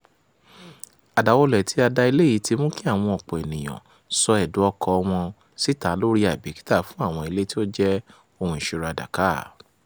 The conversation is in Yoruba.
Àdàwólulẹ̀ tí a da ilé yìí ti mú kí àwọn ọ̀pọ̀ ènìyàn ó sọ ẹ̀dùn ọkàn-an wọn síta lórí àìbìkítà fún àwọn ilé tí ó jẹ́ ohun ìṣúra Dhaka.